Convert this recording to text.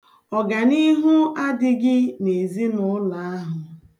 Ọganihu adịghị n'ezinụụlọ ahụ.